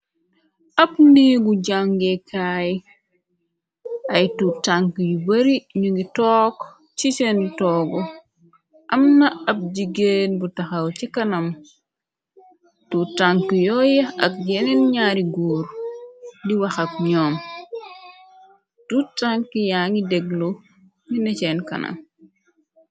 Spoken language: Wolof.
Ab néegu jàngekaay ay tutank yu bari ñu ngi took ci seen toogu amna ab jigéen bu taxaw ci kanam tu tank yooye ak yeneen ñaari góur di waxak ñoom tutank yaa ngi deglo nina ceen kanam